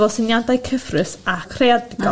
hefo syniadau cyffrus a creadigol.